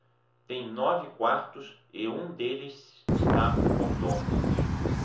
tem nove quartos e em um deles está o mordomo